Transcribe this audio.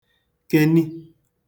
keni